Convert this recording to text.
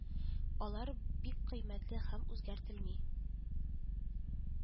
Алар бик кыйммәтле һәм үзгәртелми